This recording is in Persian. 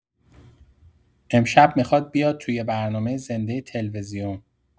امشب میخواد بیاد تو یه برنامه زنده تلوزیون.